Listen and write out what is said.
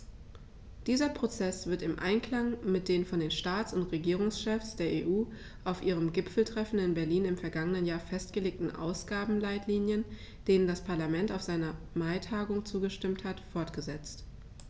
Dieser Prozess wird im Einklang mit den von den Staats- und Regierungschefs der EU auf ihrem Gipfeltreffen in Berlin im vergangenen Jahr festgelegten Ausgabenleitlinien, denen das Parlament auf seiner Maitagung zugestimmt hat, fortgesetzt.